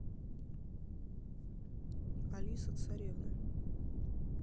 алиса царевны